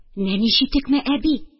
Нәни читекме, әби